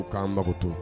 K ko k'an to